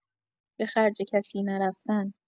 به خرج کسی نرفتن